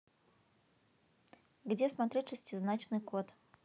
где смотреть шестизначный код